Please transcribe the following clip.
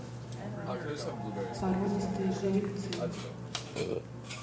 породистые жеребцы